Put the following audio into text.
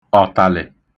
ọ̀tàlị̀